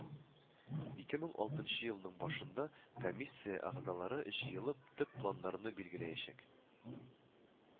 Ике мең алтынчы елның башында комиссия әгъзалары җыелып төп планнарны билгеләячәк